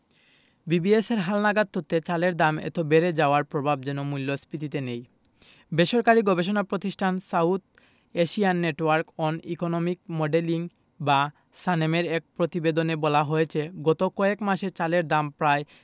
বিবিএসের হালনাগাদ তথ্যে চালের দাম এত বেড়ে যাওয়ার প্রভাব যেন মূল্যস্ফীতিতে নেই বেসরকারি গবেষণা প্রতিষ্ঠান South Asian network on economic modelling বা সানেমের এক প্রতিবেদনে বলা হয়েছে গত কয়েক মাসে চালের দাম প্রায়